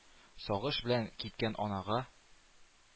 Сагыш белән кипкән анага: